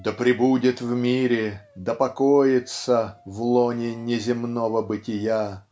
Да пребудет в мире, да покоится В лоне неземного бытия!